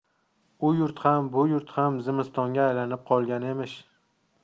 u yurt ham bu yurt ham zimistonga aylanib qolgan emish